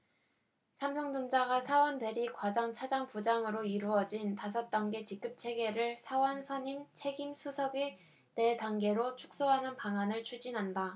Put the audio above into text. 삼성전자가 사원 대리 과장 차장 부장으로 이뤄진 다섯 단계 직급체계를 사원 선임 책임 수석의 네 단계로 축소하는 방안을 추진한다